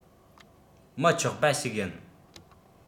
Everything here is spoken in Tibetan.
མི ཆོག པ ཞིག ཡིན